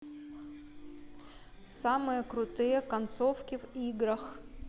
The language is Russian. самые крутые концовки в играх